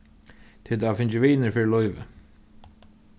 tit hava fingið vinir fyri lívið